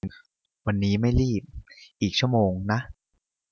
วันนี้ไม่รีบอีกชั่วโมงนะ